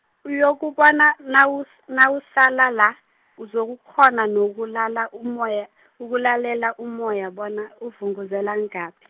uyokubona nawus- nawusala la, uzokukghona nokulala umoya, ukulalela umoya bona uvunguzela ngaphi.